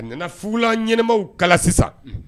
A nana fu ɲɛnɛmaw kala sisan